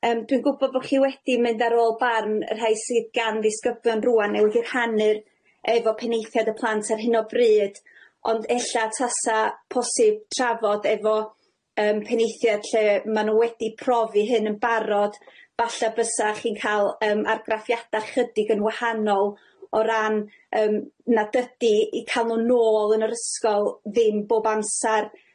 Yym dwi'n gwbo bo' chi wedi mynd ar ôl barn y rhai sydd gan ddisgyblion rŵan neu wedi rhannu'r efo penaethiaid y plant ar hyn o bryd ond ella tasa posib trafod efo yym penaethiaid lle ma' n'w wedi profi hyn yn barod falla bysa chi'n ca'l yym argraffiada chydig yn wahanol o ran yym nad ydi i ca'l nhw nôl yn yr ysgol ddim bob amsar